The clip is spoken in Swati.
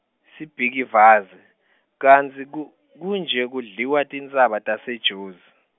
Sibhikivaze, kantsi ku- kunje kudliwa tintsaba taseJozi?